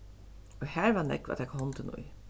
og har var nógv at taka hondina í